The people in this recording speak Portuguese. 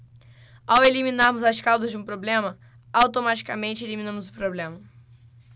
ao eliminarmos as causas de um problema automaticamente eliminamos o problema